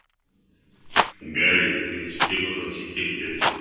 Гарри: Син темадан читкә китәсең.